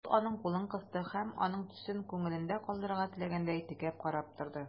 Ул аның кулын кысты һәм, аның төсен күңелендә калдырырга теләгәндәй, текәп карап торды.